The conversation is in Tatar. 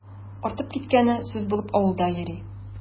Артып киткәне сүз булып авылда йөри.